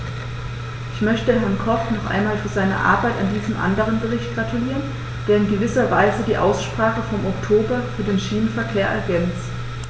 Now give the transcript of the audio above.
Ich möchte Herrn Koch noch einmal für seine Arbeit an diesem anderen Bericht gratulieren, der in gewisser Weise die Aussprache vom Oktober über den Schienenverkehr ergänzt.